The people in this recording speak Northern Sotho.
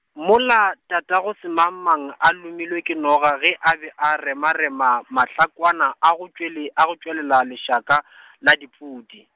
mola tatagosemangmang a lomilwe ke noga ge a be a remarema, mahlakwana a go tšhwele, a go tšwelela lešaka , la dipudi.